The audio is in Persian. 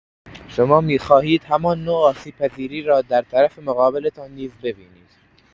شما می‌خواهید همان نوع آسیب‌پذیری را در طرف مقابلتان نیز ببینید.